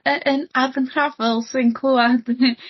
yy yn ar fy sy'n clwad